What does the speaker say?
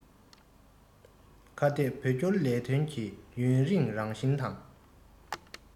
ཁ གཏད བོད སྐྱོར ལས དོན གྱི ཡུན རིང རང བཞིན དང